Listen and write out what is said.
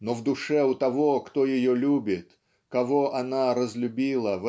- но в душе у того кто ее любит кого она разлюбила